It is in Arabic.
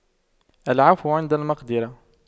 العفو عند المقدرة